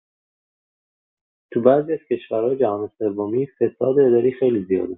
تو بعضی از کشورهای جهان‌سومی، فساد اداری خیلی زیاده.